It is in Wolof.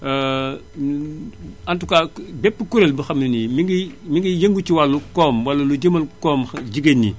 en tout cas bépp kuréel boo xam ne nii mi ngi mi ngi yëngu ci wàllu koom wala lu jëmal koom jigéen ñi